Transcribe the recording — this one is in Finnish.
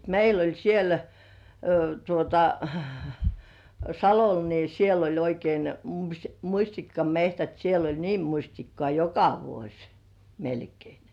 meillä oli siellä tuota Salolla niin siellä oli oikein mustikkametsät siellä oli niin mustikkaa joka vuosi melkein